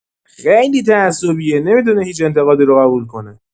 خیلی تعصبیه، نمی‌تونه هیچ انتقادی رو قبول کنه.